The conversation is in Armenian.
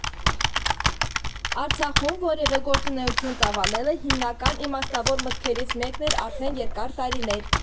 Արցախում որևէ գործունեություն ծավալելը հիմնական իմաստավոր մտքերից մեկն էր արդեն երկար տարիներ։